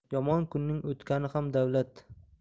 yomon kunning o'tgani ham davlat